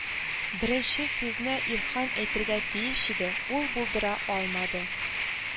Беренче сүзне Ирхан әйтергә тиеш иде, ул булдыра алмады,